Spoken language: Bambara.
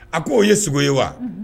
A ko o ye sogo ye wa